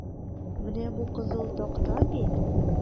Менә бу кызыл такта бит?